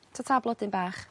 Tata blodyn bach.